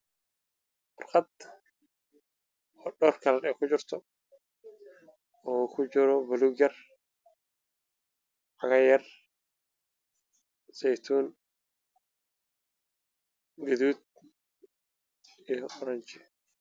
Warqad hawr kalar ay kujirto